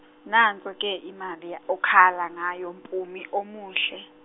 nanso ke imali okhala ngayo Mpumi omuhle.